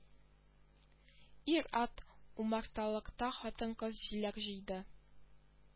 Ир-ат умарталыкта хатын-кыз җиләк җыйды